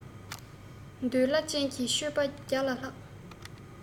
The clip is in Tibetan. འདོད ལ ཅན གྱི ཆོས པ བརྒྱ ལ ལྷག